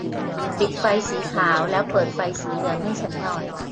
ปิดไฟสีขาวแล้วเปิดไฟสีเหลืองให้ฉันหน่อย